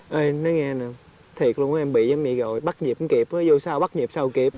ê em nói nghe nè thiệt luôn đó em bị giống vậy rồi bắt nhịp hông kịp ớ vô sau bắt nhịp sao kịp